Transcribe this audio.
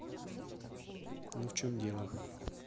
ну в чем дело